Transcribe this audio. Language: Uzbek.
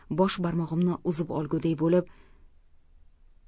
bosh barmog'imni uzib olgudek bo'lib